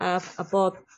A a bod